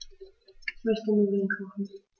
Ich möchte Nudeln kochen.